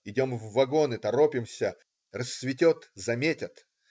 Идем в вагоны, торопимся: рассветет - заметят.